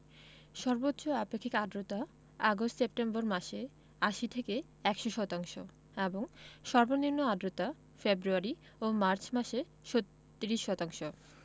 সর্বোচ্চ আপেক্ষিক আর্দ্রতা আগস্ট সেপ্টেম্বর মাসে ৮০ থেকে ১০০ শতাংশ এবং সর্বনিম্ন আর্দ্রতা ফেব্রুয়ারি ও মার্চ মাসে ৩৬ শতাংশ